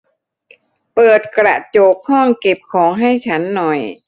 เปิดกระจกห้องเก็บของให้ฉันหน่อย